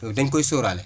dañ koy sóoraale